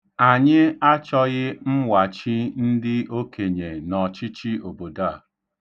Anyị achọghị mwachi ndị okenye n'ọchịchị obodo a.